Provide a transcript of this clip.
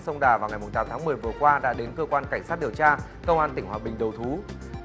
sông đà vào ngày mùng tám tháng mười vừa qua đã đến cơ quan cảnh sát điều tra công an tỉnh hòa bình đầu thú